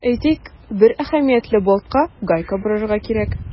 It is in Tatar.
Әйтик, бер әһәмиятле болтка гайка борырга кирәк.